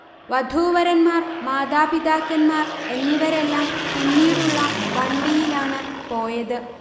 വധൂവരന്മാർ മാതാപിതാക്കന്മാർ എന്നിവരെല്ലാം പിന്നീടുള്ള വണ്ടിയിലാണ് പോയത്